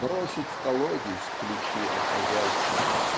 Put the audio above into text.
бросить в колодезь ключи от хозяйства.